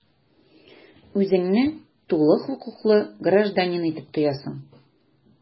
Үзеңне тулы хокуклы гражданин итеп тоясың.